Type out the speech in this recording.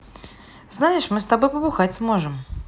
знаешь мы с тобой побухать сможем